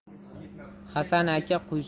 hasan aka quysin